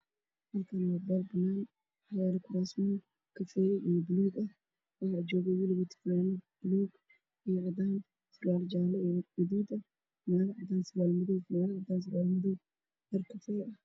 Waa meel banaan oo xeeb ah oo iskugu imaadeen dad farabadan oo niman ah waxaa ka dambeeyay guryo qadiimi oo dhagax ah